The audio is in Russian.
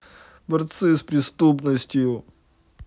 борцы с преступностью